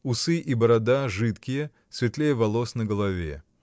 Усы и борода жидкие, светлее волос на голове.